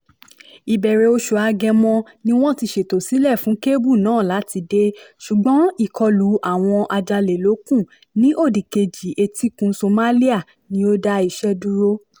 Ìbẹ̀rẹ̀ oṣù Agẹmọ ni wọ́n ti ṣètò sílẹ̀ fún kébù náà láti dé, ṣùgbọ́n ìkọlù àwọn ajalèlókun ní òdìkejì etíkun Somalia ni ó dá iṣẹ́ dúró.